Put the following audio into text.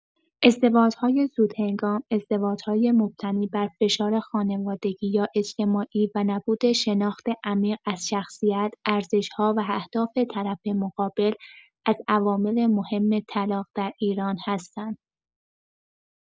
ازدواج‌های زودهنگام، ازدواج‌های مبتنی بر فشار خانوادگی یا اجتماعی و نبود شناخت عمیق از شخصیت، ارزش‌ها و اهداف طرف مقابل، از عوامل مهم طلاق در ایران هستند.